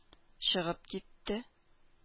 Чыгып китте